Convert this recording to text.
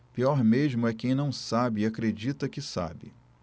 pior mesmo é quem não sabe e acredita que sabe